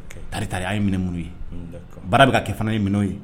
Kari y' ye minɛ mun ye baara bɛ ka kɛ fana ye n'o ye